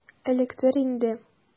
Эләктер инде!